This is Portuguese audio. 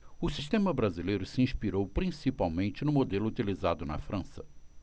o sistema brasileiro se inspirou principalmente no modelo utilizado na frança